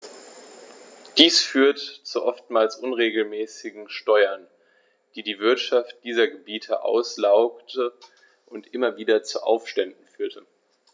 Dies führte zu oftmals unmäßigen Steuern, die die Wirtschaft dieser Gebiete auslaugte und immer wieder zu Aufständen führte.